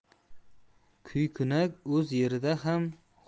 kuykunak o'z yerida ham